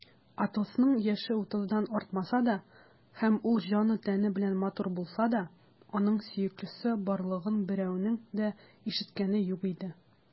Атосның яше утыздан артмаса да һәм ул җаны-тәне белән матур булса да, аның сөеклесе барлыгын берәүнең дә ишеткәне юк иде.